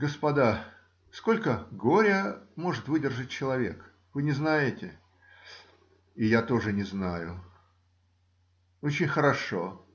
Господа, сколько горя может выдержать человек? Вы не знаете? И я тоже не знаю. Очень хорошо.